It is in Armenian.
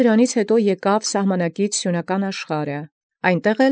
Կորյուն Ապա յետ այնորիկ ի սահմանակիցս ի Սիւնական աշխարհն ելանէր։